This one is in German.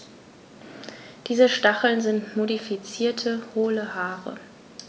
Diese Stacheln sind modifizierte, hohle Haare.